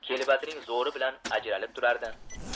kelbatining zo'ri bilan ajralib turardi